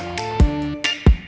em